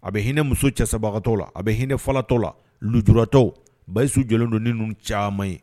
A bɛ hinɛ muso cɛ sababagatɔ la a bɛ hinɛfatɔ la jtɔ bayi su jɔ don ni ninnu caman ye